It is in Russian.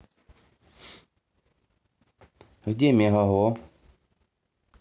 где мегаго